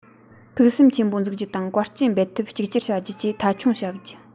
ཕུགས བསམ ཆེན པོ འཛུགས རྒྱུ དང དཀའ སྤྱད འབད འཐབ གཅིག གྱུར བྱ རྒྱུ བཅས མཐའ འཁྱོངས བྱ རྒྱུ